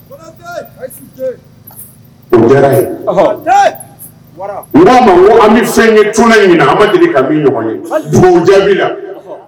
'a an bɛ fɛn an deli ɲɔgɔn ye jaabi